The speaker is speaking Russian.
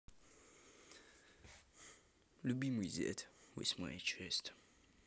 любимый зять восьмая часть